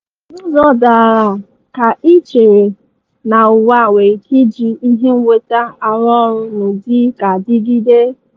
N'ụzọ dị aghaa ka ị chere ná ụwa nwere ike ịji ihe nweta arụ ọrụ n'ụdị ga-adịgide?